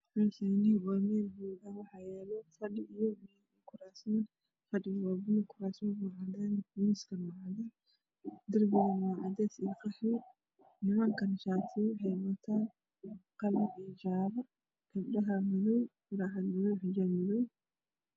Meeshaani waa meel hool waxaa yaalo fadhi kuraasman waa cadaan darbiga waa qaxwi nimanka waxay wataan shaati cadaan gabdhanaha madow